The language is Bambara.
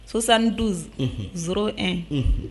Sosan donz n